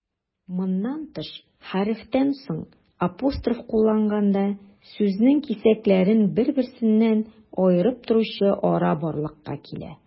Моннан тыш, хәрефтән соң апостроф кулланганда, сүзнең кисәкләрен бер-берсеннән аерып торучы ара барлыкка килә.